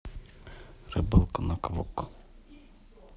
рыбалка на квок